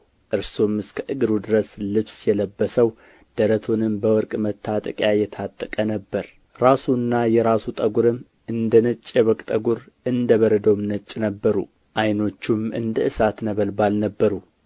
እርሱም እስከ እግሩ ድረስ ልብስ የለበሰው ደረቱንም በወርቅ መታጠቂያ የታጠቀ ነበር ራሱና የራሱ ጠጕርም እንደ ነጭ የበግ ጠጕር እንደ በረዶም ነጭ ነበሩ ዓይኖቹም እንደ እሳት ነበልባል ነበሩ